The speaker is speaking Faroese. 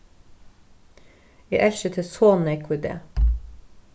eg elski teg so nógv í dag